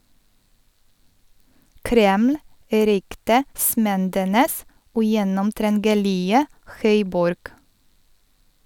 Kreml - ryktesmedenes ugjennomtrengelige høyborg.